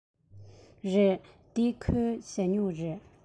རེད འདི ཁོའི ཞ སྨྱུག རེད